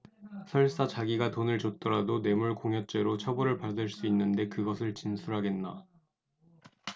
설사 자기가 돈을 줬더라도 뇌물공여죄로 처벌받을 수 있는데 그것을 진술하겠나